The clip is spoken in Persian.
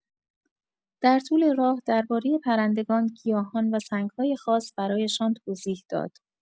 در طول راه، دربارۀ پرندگان، گیاهان و سنگ‌های خاص برایشان توضیح داد.